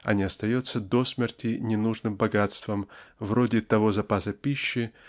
а не остается до смерти ненужным богатством вроде того запаса пищи